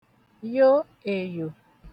yo èyò